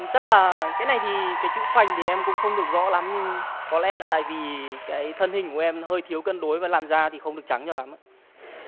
chắc là cái này thì cái chữ khoành thì em cũng không được rõ lắm nhưng có lẽ là tại vì cái thân hình của em hơi thiếu cân đối và làn da thì không được trắng cho lắm